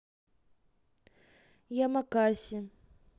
ямакаси